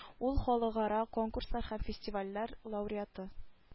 Ул халыкара конкурслар һәм фестивальләр лауреаты